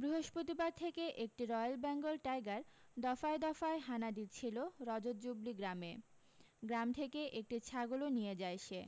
বৃহস্পতিবার থেকে একটি রয়্যাল বেঙ্গল টাইগার দফায় দফায় হানা দিচ্ছিল রজতজুবলি গ্রামে গ্রাম থেকে একটি ছাগলও নিয়ে যায় সে